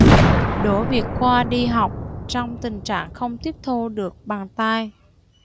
đỗ việt khoa đi học trong tình trạng không tiếp thu được bằng tai